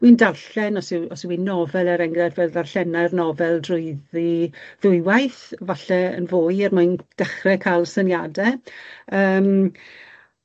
Wi'n darllen os yw os yw 'i'n nofel er enghraifft fel ddarllenai'r nofel drwyddi ddwywaith, falle yn fwy er mwyn dechre cael syniade yym.